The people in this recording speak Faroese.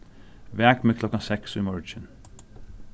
vak meg klokkan seks í morgin